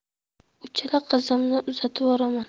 uchala qizimni uzatvoraman